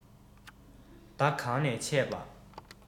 བདག གང ནས ཆས པ